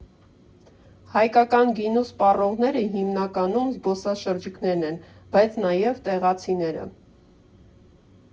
Հայկական գինու սպառողները հիմնականում զբոսաշրջիկներն են, բայց նաև տեղացիները։